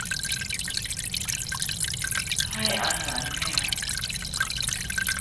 ให้อาหารแมว